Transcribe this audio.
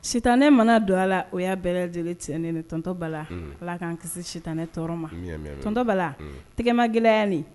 Sitanɛ mana don a la, o y'a bɛɛ lajɛlen tiɲɛlen ye tonton Bala , allah k'an kisi sitanɛ tɔɔrɔ ma tonton tɛgɛmagɛlɛya nin